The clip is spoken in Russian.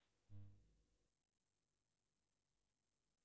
конченная привет